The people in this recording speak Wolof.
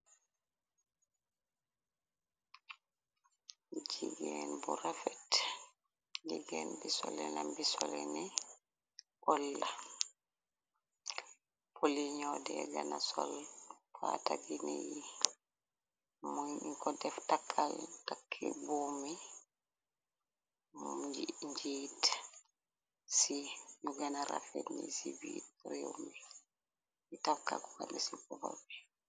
Jigeen bu rafet ji geen bi solelam bi sole ne polla poli ñoo dee gëna sol paata gine yi muy ni ko def takkal takki buumi mu njiit ci nu gëna rafet ni ci bii réew mi bi tafkak ban ci bop bi.